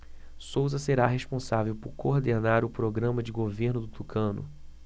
souza será responsável por coordenar o programa de governo do tucano